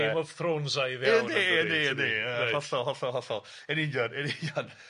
Gêm of thronesaidd iawn yndi? Yndi yndi yndi yy hollol hollol hollol yn union yn union.